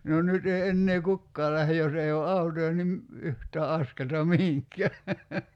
no nyt ei enää kukaan lähde jos ei ole autoja niin yhtään askelta mihinkään